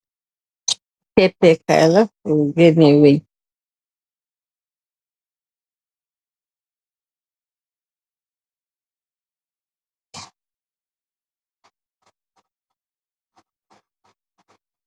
Kepeh kaila bu genee wenn.